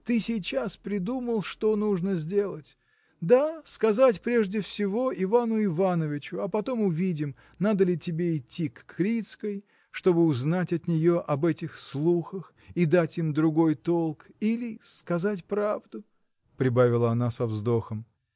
Ты сейчас придумал, что нужно сделать: да, сказать прежде всего Ивану Ивановичу: а потом увидим, надо ли тебе идти к Крицкой, чтобы узнать от нее об этих слухах и дать им другой толк или. сказать правду! — прибавила она со вздохом.